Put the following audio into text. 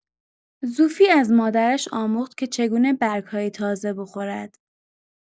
زوفی از مادرش آموخت که چگونه برگ‌های تازه بخورد.